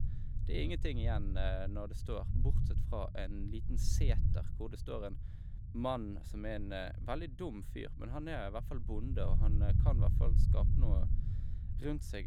Det er ingenting igjen når det står, bortsett fra en liten sæter hvor det står en mann som er en veldig dum fyr, men han er hvert fall bonde, og han kan hvert fall skape noe rundt seg.